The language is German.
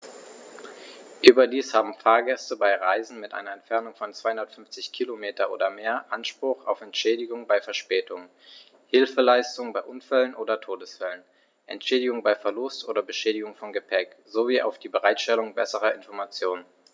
Überdies haben Fahrgäste bei Reisen mit einer Entfernung von 250 km oder mehr Anspruch auf Entschädigung bei Verspätungen, Hilfeleistung bei Unfällen oder Todesfällen, Entschädigung bei Verlust oder Beschädigung von Gepäck, sowie auf die Bereitstellung besserer Informationen.